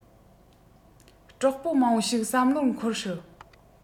གྲོགས པོ མང པོ ཞིག བསམ བློར འཁོར སྲིད